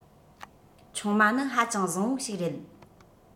ཆུང མ ནི ཧ ཅང བཟང བོ ཞིག རེད